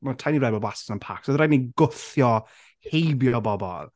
Mae Tiny Rebel wastad yn packed, oedd rhaid ni gwthio heibio bobl.